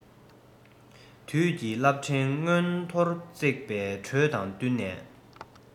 དུས ཀྱི རླབས ཕྲེང མངོན མཐོར བརྩེགས པའི འགྲོས དང བསྟུན ནས